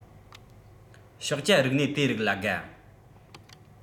ཞོགས ཇ རིག གནས དེ རིགས ལ དགའ